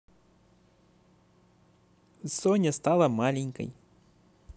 соня стала маленькой